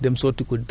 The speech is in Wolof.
compost